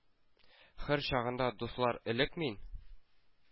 Хөр чагында, дуслар, элек мин?